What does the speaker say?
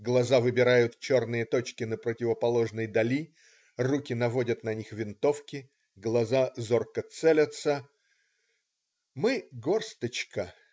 Глаза выбирают черные точки на противоположной дали, руки наводят на них винтовки, глаза зорко целятся. Мы - горсточка.